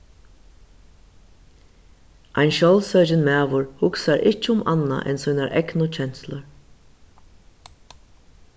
ein sjálvsøkin maður hugsar ikki um annað enn sínar egnu kenslur